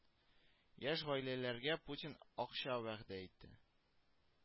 Яшь гаиләләргә Путин акча вәгъдә итте